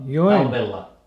joen